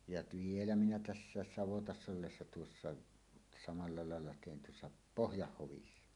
ja vielä minä tässä savotassa ollessa tuossa samalla lailla tein tuossa Pohjanhovissa